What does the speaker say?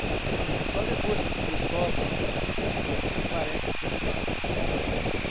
só depois que se descobre é que parece ser claro